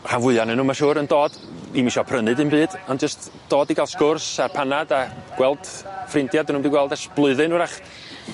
Rhan fwya o'nyn nw ma' siŵr yn dod dim isio prynu ddim byd ond jyst dod i ga'l sgwrs a panad a gweld ffrindia 'dyn nw'm 'di gweld ers blwyddyn 'w'rach.